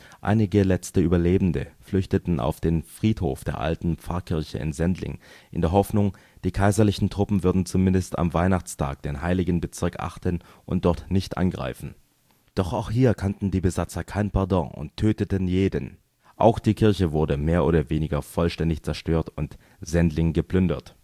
Einige letzte Überlebende flüchteten auf den Friedhof der alten Pfarrkirche in Sendling in der Hoffnung, die kaiserlichen Truppen würden zumindest am Weihnachtstag den heiligen Bezirk achten und dort nicht angreifen. Doch auch hier kannten die Besatzer kein Pardon und töteten jeden, auch die Kirche wurde mehr oder weniger vollständig zerstört und Sendling geplündert